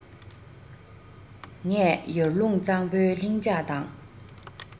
ངས ཡར ཀླུང གཙང པོའི ལྷིང འཇགས དང